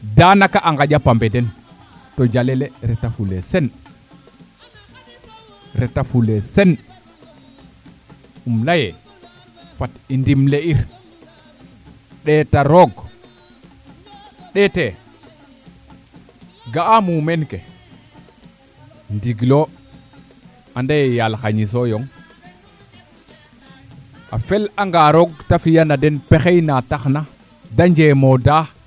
danaka a ŋaƴa paɓe den to jale le reta fule sen reta fule sen im leye fat i ndimle ir ndeta roog ndete ga'a mumeen ke nding lo andeye yaal xa ñiso yo a fel'a nga roog te fiya na den pexex na tax na de njemooda